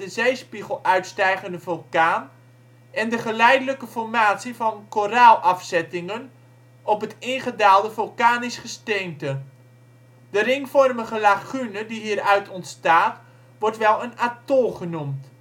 zeespiegel uitstijgende) vulkaan en de geleidelijke formatie van koraalafzettingen op het ingedaalde vulkanisch gesteente. De ringvormige lagune die hieruit ontstaat wordt wel een atol genoemd